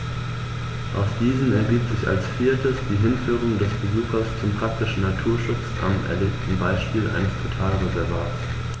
Aus diesen ergibt sich als viertes die Hinführung des Besuchers zum praktischen Naturschutz am erlebten Beispiel eines Totalreservats.